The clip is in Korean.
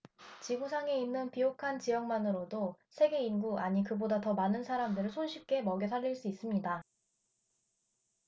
지구 상에 있는 비옥한 지역만으로도 세계 인구 아니 그보다 더 많은 사람들을 손쉽게 먹여 살릴 수 있습니다